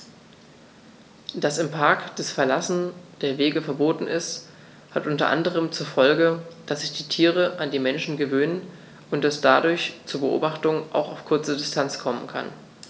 Dass im Park das Verlassen der Wege verboten ist, hat unter anderem zur Folge, dass sich die Tiere an die Menschen gewöhnen und es dadurch zu Beobachtungen auch auf kurze Distanz kommen kann.